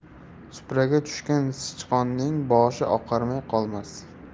supraga tushgan sichqonning boshi oqarmay qolmas